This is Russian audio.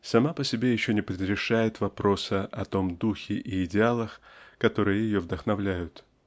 сама по себе еще не предрешает вопроса о том духе и идеалах которые ее вдохновляют.